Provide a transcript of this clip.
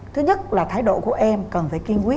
thứ nhất là thái độ của em cần phải kiên quyết